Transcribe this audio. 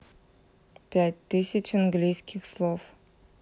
пять тысяч английских слов